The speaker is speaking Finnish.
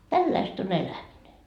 tällaista on eläminen